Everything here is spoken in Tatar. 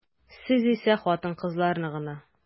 Сез исә хатын-кызларны гына.